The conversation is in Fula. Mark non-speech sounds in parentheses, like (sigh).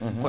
(hesitation) (hesitation)